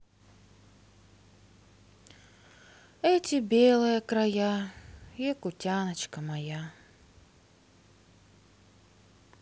эти белые края якутяночка моя